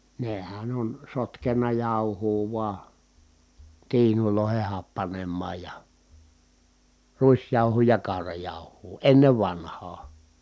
nehän on sotkenut jauhoa vain tiinuihin happanemaan ja ruisjauhoa ja kaurajauhoa ennen vanhaan